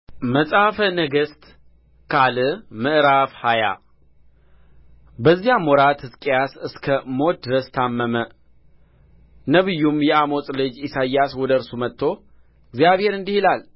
መጽሐፈ ነገሥት ካልዕ ምዕራፍ ሃያ በዚያም ወራት ሕዝቅያስ እስከ ሞት ድረስ ታመመ ነቢዩም የአሞጽ ልጅ ኢሳይያስ ወደ እርሱ መጥቶ እግዚአብሔር እንዲህ ይላል